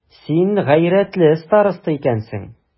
Син гайрәтле староста икәнсең.